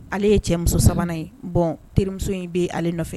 Ale ye cɛ muso sabanan ye. Bon terimuso in bɛ ale nɔfɛ.